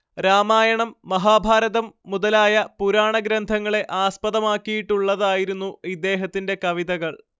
രാമായണം മഹാഭാരതം മുതലായ പുരാണഗ്രന്ഥങ്ങളെ ആസ്പദമാക്കിയിട്ടുള്ളതായിരുന്നു ഇദ്ദേഹത്തിന്റെ കവിതകൾ